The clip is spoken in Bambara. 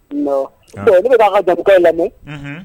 Ne b'a ka da lamɛn